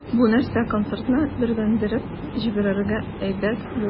Бу нәрсә концертны төрләндереп җибәрергә әйбәт булды.